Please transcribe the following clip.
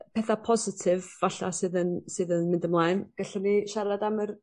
petha positif falla sydd yn sydd yn mynd ymlaen gellwn ni siarad am yr